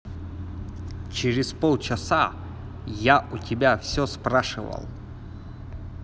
через полчаса я у тебя все спрашивал